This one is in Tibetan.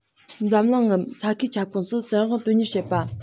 འཛམ གླིང ངམ ས ཁུལ ཁྱབ ཁོངས སུ བཙན དབང དོན གཉེར བྱེད པ